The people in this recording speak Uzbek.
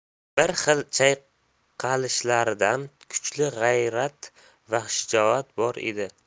bir xil chayqalishlarida kuchli g'ayrat va shijoat bor edi